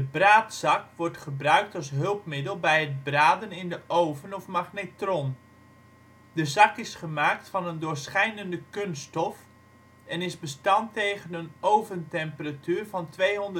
braadzak wordt gebruikt als hulpmiddel bij het braden in de oven of magnetron. De zak is gemaakt van een doorschijnende kunststof en is bestand tegen een oventemperatuur van 220